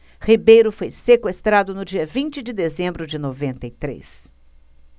ribeiro foi sequestrado no dia vinte de dezembro de noventa e três